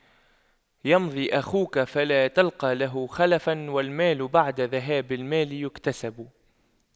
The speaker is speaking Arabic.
يمضي أخوك فلا تلقى له خلفا والمال بعد ذهاب المال يكتسب